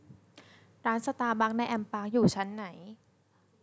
ร้านสตาร์บัคในแอมปาร์คอยู่ชั้นไหน